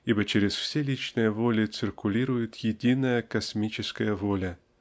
ибо чрез все личные воли циркулирует единая космическая воля